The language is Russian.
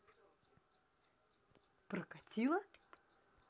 покатило